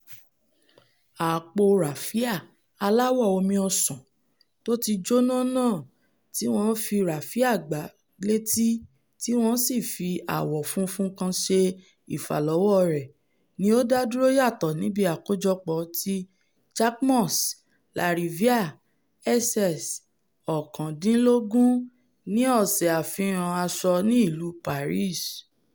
Àpọ raffia aláwọ̀ omi-ọsàn tóti jóna náà, tíwọn fi raffia gbá létí tíwọ́n sì fi awọ funfun kan ṣe ìfàlọ́wọ́ rẹ̀, ni ó dádúró yàtọ̀ níbi àkójọpọ̀ ti Jacquemus' La Riviera SS19 ní Ọ̀sẹ̀ Àfihàn Asọ ní Ìlu Paris.